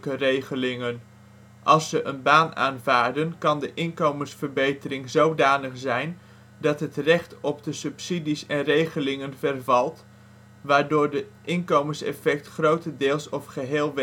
regelingen. Als ze een baan aanvaarden kan de inkomensverbetering zodanig zijn dat het recht op de subsidies en regelingen vervalt, waardoor het inkomenseffect grotendeels of geheel wegvalt